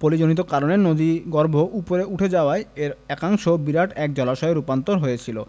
পলিজনিত কারণে নদীগর্ভ উপরে উঠে যাওয়ায় এর একাংশ বিরাট এক জলাশয়ে রূপান্তরিত হয়েছে